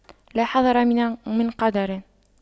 لا حذر من قدر